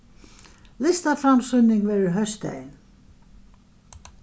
listaframsýning verður hósdagin